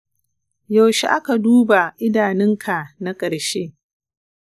yaushe aka duba idanunka na ƙarshe?